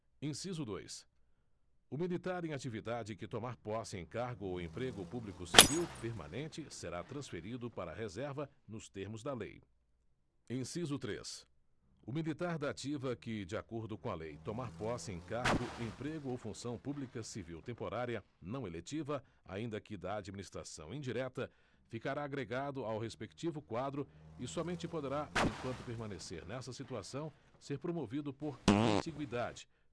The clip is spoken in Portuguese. inciso dois o militar em atividade que tomar posse em cargo ou emprego público civil permanente será transferido para a reserva nos termos da lei inciso três o militar da ativa que de acordo com a lei tomar posse em cargo emprego ou função pública civil temporária não eletiva ainda que da administração indireta ficará agregado ao respectivo quadro e somente poderá enquanto permanecer nessa situação ser promovido por antigüidade